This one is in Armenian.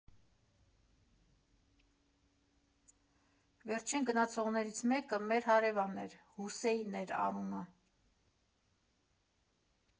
Վերջին գնացողներից մեկը մեր հարևանն էր՝ Հուսեին էր անունը։